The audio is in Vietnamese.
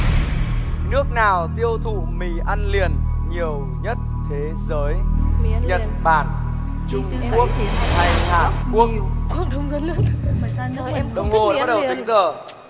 nước nào tiêu thụ mì ăn liền nhiều nhất thế giới nhật bản trung quốc hay hàn quốc đồng hồ đã bắt đầu tính giờ